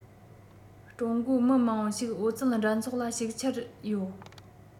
ཀྲུང གོ མི མང པོ ཞིག ཨོ རྩལ འགྲན ཚོགས ལ ཞུགས འཆར ཡོད